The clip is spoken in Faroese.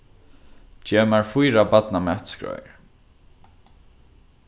gev mær fýra barnamatskráir